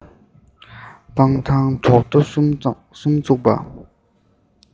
སྤང ཐང ཐོག རྡོ གསུམ བཙུགས པ